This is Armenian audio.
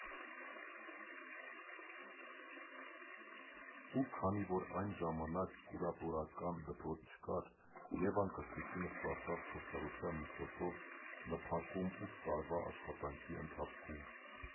Ու քանի որ այն ժամանակ կուրատորական դպրոց չկար, Եվան կրթությունը ստացավ փորձառության միջոցով՝ ՆՓԱԿ֊ում ութ տարվա աշխատանքի ընթացքում։